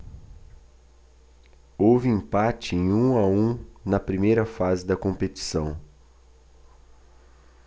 houve empate em um a um na primeira fase da competição